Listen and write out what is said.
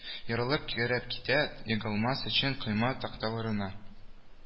Ерылып керәп китә, егылмас өчен койма такталарына,